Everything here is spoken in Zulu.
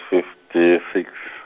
fifty six.